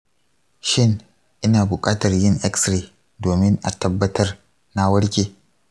shin ina buƙatar yin x-ray domin a tabbatar na warke?